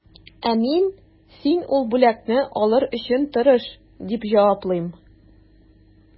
Ә мин, син ул бүләкне алыр өчен тырыш, дип җаваплыйм.